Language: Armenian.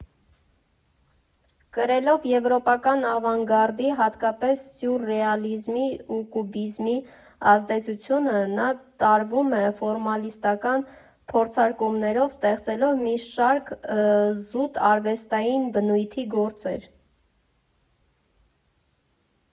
Կրելով եվրոպական ավանգարդի, հատկապես սյուրռեալիզմի ու կուբիզմի ազդեցությունը, նա տարվում է ֆորմալիստական փորձարկումներով, ստեղծելով մի շարք զուտ արվեստային բնույթի գործեր։